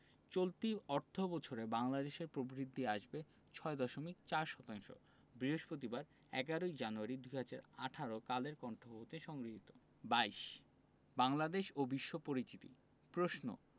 চলতি অর্থবছরে বাংলাদেশের প্রবৃদ্ধি আসবে ৬.৪ শতাংশ বৃহস্পতিবার ১১ জানুয়ারি ২০১৮ কালের কন্ঠ হতে সংগৃহীত ২২ বাংলাদেশ ও বিশ্ব পরিচিতি প্রশ্ন